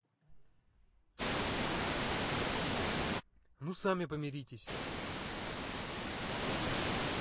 ну сами помиритесь